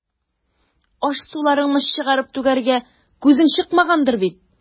Аш-суларыңны чыгарып түгәргә күзең чыкмагандыр бит.